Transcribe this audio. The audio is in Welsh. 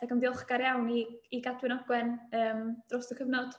Ac yn ddiolchgar iawn i i Gadwyn Ogwen yym dros y cyfnod.